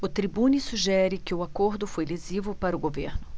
o tribune sugere que o acordo foi lesivo para o governo